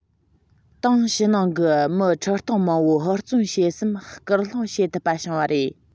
ཏང ཕྱི ནང གི མི ཁྲི སྟོང མང པོའི ཧུར བརྩོན བྱེད སེམས སྐུལ སློང བྱེད ཐུབ པ བྱུང བ རེད